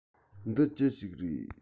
འདི ཅི ཞིག རེད